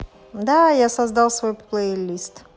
да я создал свой плейлист